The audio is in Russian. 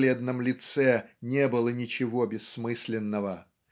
бледном лице не было ничего бессмысленного